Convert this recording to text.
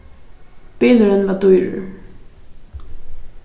bilurin var dýrur